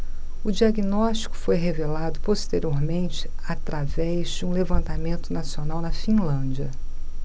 o diagnóstico foi revelado posteriormente através de um levantamento nacional na finlândia